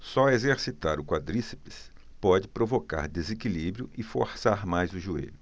só exercitar o quadríceps pode provocar desequilíbrio e forçar mais o joelho